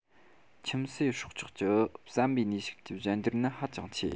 ཁྱིམ གསོས སྲོག ཆགས ཀྱི བསམ པའི ནུས ཤུགས ཀྱི གཞན འགྱུར ནི ཧ ཅང ཆེ